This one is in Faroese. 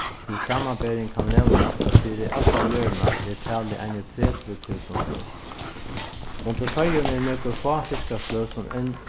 til samanbering kann nevnast at fyri alla jørðina er talið eini tretivu túsund sløg undir føroyum eru nøkur fá fiskasløg sum enn